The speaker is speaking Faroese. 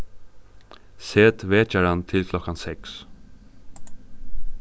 set vekjaran til klokkan seks